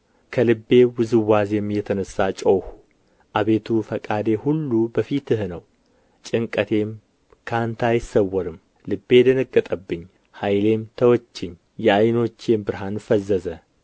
ከልቤ ውዝዋዜም የተነሣ ጮኽሁ አቤቱ ፈቃዴ ሁሉ በፊትህ ነው ጭንቀቴም ከአንተ አይሰወርም ልቤ ደነገጠብኝ ኃይሌም ተወችኝ የዓይኖቼም ብርሃን ፈዘዘ